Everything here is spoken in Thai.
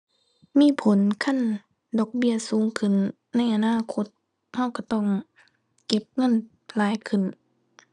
มีผล คันดอกเบี้ยสูงขึ้นในอนาคตเราเราต้องเก็บเงินหลายขึ้น